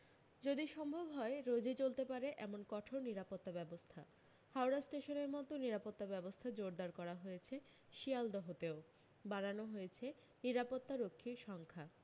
যদি সম্ভব হয় রোজি চলতে পারে এরকম কঠোর নিরাপত্তা ব্যবস্থা হাওড়া স্টেশনের মতো নিরাপত্তা ব্যবস্থা জোরদার করা হয়েছে শিয়ালদহতেও বাড়ানো হয়েছে নিরাপত্তারক্ষীর সংখ্যা